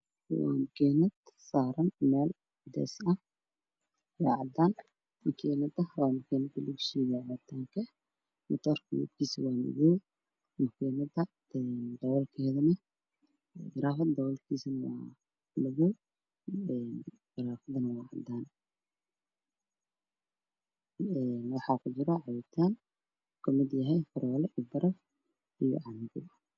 Makiinad saaran meel gees ah ee cadaan makiinada lagu shiido cabitaanka matoorka lugtiisa waa madoow karaafaha daboolkiisa waa cadaan waxaa ku jiro cabitaan uu kamid yahay qaro iyo baraf iyo canbo